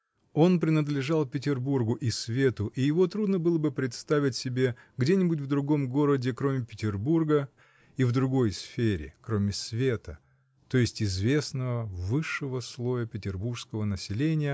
Он принадлежал Петербургу и свету, и его трудно было бы представить себе где-нибудь в другом городе, кроме Петербурга, и в другой сфере, кроме света, то есть известного высшего слоя петербургского населения